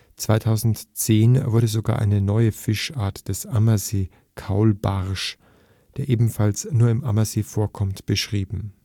2010 wurde sogar eine neue Fisch-Art, der Ammersee-Kaulbarsch (Gymnocephalus ambriaelacus), der ebenfalls nur im Ammersee vorkommt, beschrieben